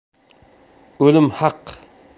o'lim haq